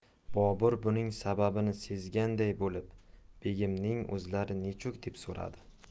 bobur buning sababini sezganday bo'lib begimning o'zlari nechuk deb so'radi